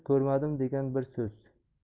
ko'rmadim degan bir so'z